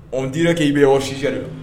Ɔ dira k'i bɛ wa sidiri